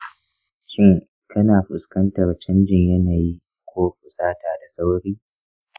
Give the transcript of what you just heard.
shin kana fuskantar canjin yanayi ko fusata da sauri?